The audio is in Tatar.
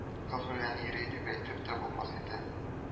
“кыз белән йөри” дип әйтеп тә булмас иде